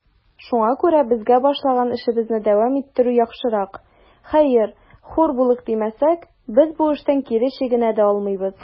Шуңа күрә безгә башлаган эшебезне дәвам иттерү яхшырак; хәер, хур булыйк димәсәк, без бу эштән кире чигенә дә алмыйбыз.